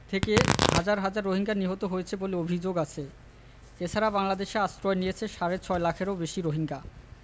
থেকে হাজার হাজার রোহিঙ্গা নিহত হয়েছে বলে অভিযোগ আছে এ ছাড়া বাংলাদেশে আশ্রয় নিয়েছে সাড়ে ছয় লাখেরও বেশি রোহিঙ্গা